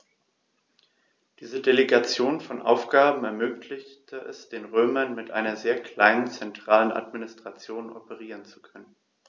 Diese Delegation von Aufgaben ermöglichte es den Römern, mit einer sehr kleinen zentralen Administration operieren zu können.